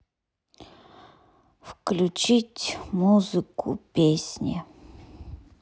включить музыку песни